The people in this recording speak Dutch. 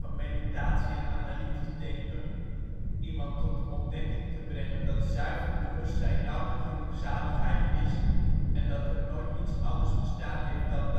meditatie en analytisch denken, iemand tot de ontdekking te brengen dat zuiver bewustzijn louter gelukzaligheid is, en dat er nooit iets anders bestaan heeft dan